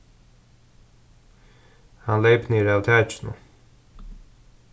hann leyp niður av takinum